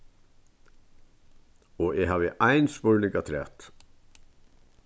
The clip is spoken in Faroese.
og eg havi ein spurning afturat